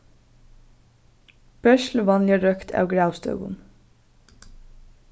bert til vanliga røkt av gravstøðum